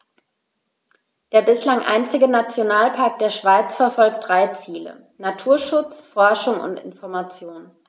Der bislang einzige Nationalpark der Schweiz verfolgt drei Ziele: Naturschutz, Forschung und Information.